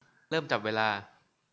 เริ่มจับเวลา